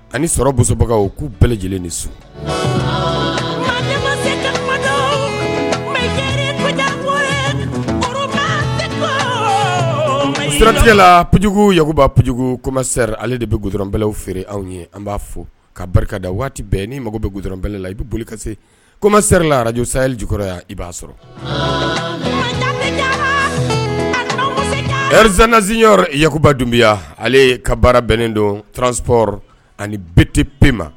Ani sɔrɔbagaw k'u bɛɛ lajɛlen ni sutila pjjugukubajuguri ale de bɛ g dɔrɔnbɛlaw feere anw ye an b'a fɔ ka barikada waati bɛɛ ni mago bɛ g dɔrɔn bɛɛla i bɛ boli ka se kɔmasɛrila arajsaali jukɔrɔya i b'a sɔrɔ zzy yakuba dunbiya ale ka baara bɛnnen don tranzsp ani biti pe ma